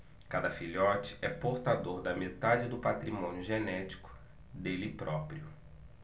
cada filhote é portador da metade do patrimônio genético dele próprio